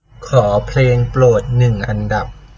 ขอเพลงโปรดหนึ่งอันดับ